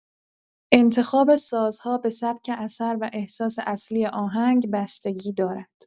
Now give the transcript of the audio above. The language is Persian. انتخاب سازها به سبک اثر و احساس اصلی آهنگ بستگی دارد.